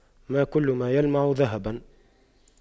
ما كل ما يلمع ذهباً